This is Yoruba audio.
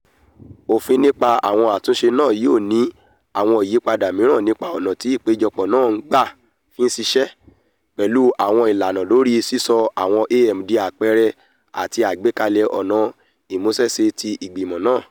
Òfin nípa àwọn àtúnṣe náà yóò ní àwọn ìyípadà miran nípa ọna ti ipejọpọ na ńgbà fi ṣiṣẹ, pẹlu àwọn ìlànà lórí sísọ awọn AM di àpẹẹrẹ ati agbekalẹ ọna ìmúṣẹṣe ti igbimọ naa.